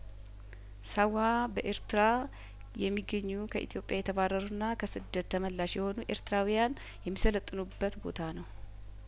ሳዋ በኤርትራ የሚገኙ ከኢትዮጵያ የተባረሩና ከስደት ተመላሽ የሆኑ ኤርትራውያን የሚሰለጥኑበት ቦታ ነው